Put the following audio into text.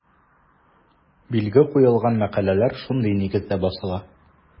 Билге куелган мәкаләләр шундый нигездә басыла.